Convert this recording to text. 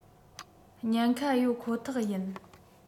ཉན ཁ ཡོད ཁོ ཐག ཡིན